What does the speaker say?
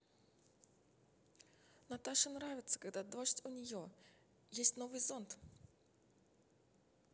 наташе нравится когда дождь у нее есть новый зонт